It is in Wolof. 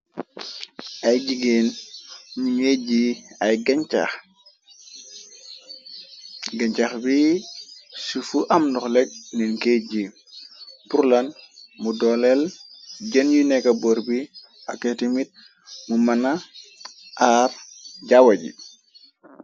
ay jigéen ñu ngéj yi ay gancax bi sufu am ndoxleg nien kéej ji purlan mu dooleel jën yu nekka bor bi ak eti mit mu mëna aar jawa ji